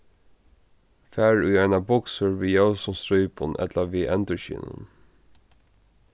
far í einar buksur við ljósum strípum ella við endurskinum